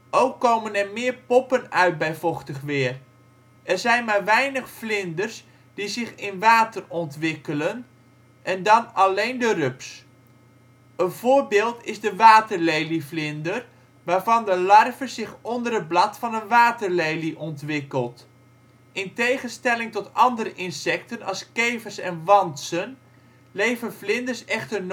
Ook komen er meer poppen uit bij vochtig weer. Er zijn maar weinig vlinders die zich in het water ontwikkelen, en dan alleen de rups. Een voorbeeld is de waterlelievlinder, waarvan de larve zich onder het blad van een waterlelie ontwikkelt. In tegenstelling tot andere insecten als kevers en wantsen, leven vlinders echter